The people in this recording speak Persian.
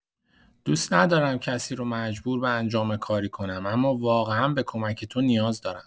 دوست ندارم کسی را مجبور به انجام کاری کنم، اما واقعا به کمک تو نیاز دارم.